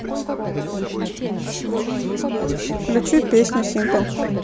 включи песню симпл